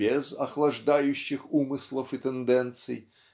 без охлаждающих умыслов и тенденций